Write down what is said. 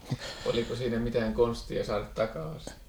oliko siinä mitään konstia saada takaisin